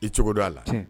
I cogo don a la